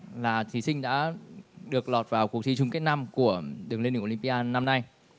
là thí sinh đã được lọt vào cuộc thi chung kết năm của đường lên đỉnh ô lim pi a năm nay